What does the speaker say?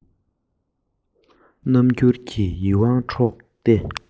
རྣམ འགྱུར གྱིས ཡིད དབང འཕྲོག སྟེ